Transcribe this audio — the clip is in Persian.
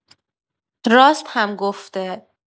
راست هم گفته.